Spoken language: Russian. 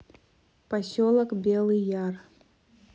поселок белый яр